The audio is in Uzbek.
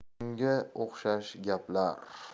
shunga o'xshash gaplar